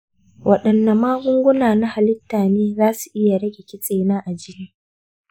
waɗanne magunguna na halitta ne za su iya rage kitsena a jini?